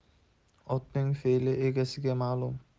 otning fe'li egasiga ma'lum